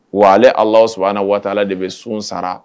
Wa ale Allah subahana watala de bɛ sun sara.